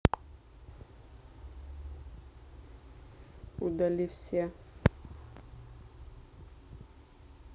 удали все